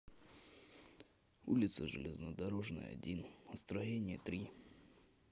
улица железнодорожная один а строение три